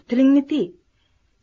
tilingni tiy